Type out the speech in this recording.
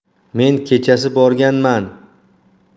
men kechasi borganman